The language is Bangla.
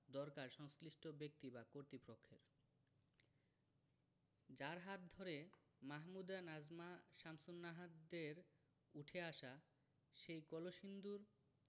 দরকার সংশ্লিষ্ট ব্যক্তি বা কর্তৃপক্ষের যাঁর হাত ধরে মাহমুদা নাজমা শামসুন্নাহারদের উঠে আসা সেই কলসিন্দুর